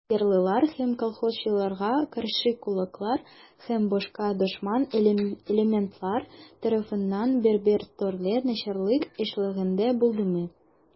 Ярлылар һәм колхозчыларга каршы кулаклар һәм башка дошман элементлар тарафыннан бер-бер төрле начарлык эшләнгәне булдымы?